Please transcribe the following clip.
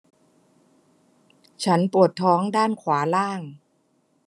ฉันปวดท้องด้านขวาล่าง